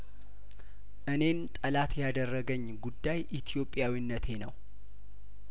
እኔን ጠላት ያደረገኝ ጉዳይ ኢትዮጵያዊነቴ ነው